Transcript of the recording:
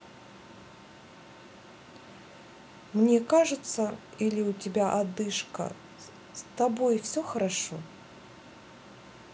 мне кажется или у тебя одышка с тобой все хорошо